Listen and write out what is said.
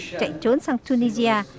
chạy trốn sang tu ni ri a